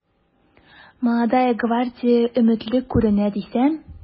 “молодая гвардия” өметле күренә дисәм...